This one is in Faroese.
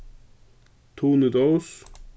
tun í dós